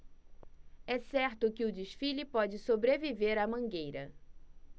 é certo que o desfile pode sobreviver à mangueira